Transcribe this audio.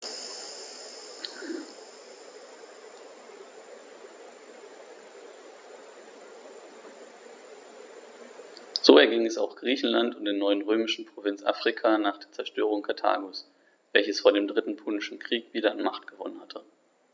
So erging es auch Griechenland und der neuen römischen Provinz Afrika nach der Zerstörung Karthagos, welches vor dem Dritten Punischen Krieg wieder an Macht gewonnen hatte.